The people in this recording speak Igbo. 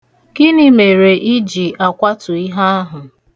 Gịnị mere ị ji akwatu ihe ahụ?